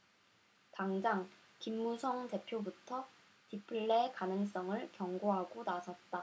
당장 김무성 대표부터 디플레 가능성을 경고하고 나섰다